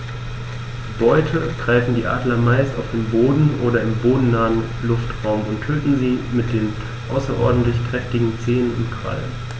Die Beute greifen die Adler meist auf dem Boden oder im bodennahen Luftraum und töten sie mit den außerordentlich kräftigen Zehen und Krallen.